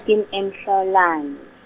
-een Nhlolanja.